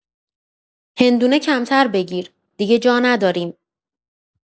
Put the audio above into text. هندونه کمتر بگیر، دیگه جا نداریم.